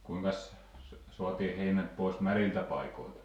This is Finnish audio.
kuinkas saatiin heinät pois märiltä paikoilta